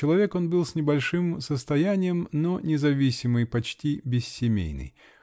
Человек он был с небольшим состоянием, но независимый, почти бессемейный.